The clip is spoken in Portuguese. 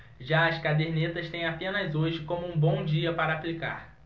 já as cadernetas têm apenas hoje como um bom dia para aplicar